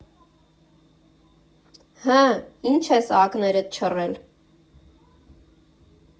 ֊ Հը՞, ի՞նչ ես ակներդ չռել։